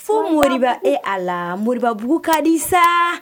Fo moriba e a la mori bugu ka di sa